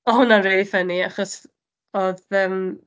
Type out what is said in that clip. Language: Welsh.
Oedd hwnna'n rili ffyni achos oedd, yym...